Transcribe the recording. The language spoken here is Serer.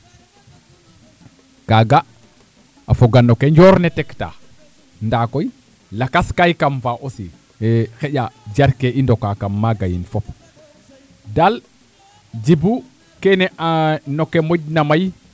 kaaga a foga no kee njoor ne tektaa ndaa koy lakas kaay kam fa aussi xaƴa jarkee i ndoka kam maaga yiin fop daal Djiby keene no ke moƴna may